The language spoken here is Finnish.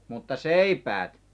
mutta seipäät